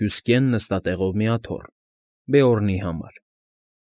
Հյուսկեն նստատեղով մի աթոռ Բեորնի համար։